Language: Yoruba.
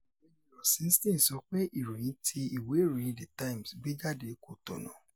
Ọ̀gbẹ́ni Rosenstein sọ pé ìròyìn tí ìwé ìròyìn The Times gbé jáde kò tọ̀nà.